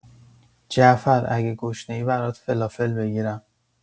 جعفر اگه گشنه‌ای برات فلافل بگیرم